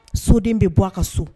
Soden bɛ bɔ a ka so